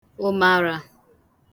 ụmàra